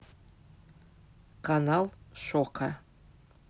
канал шока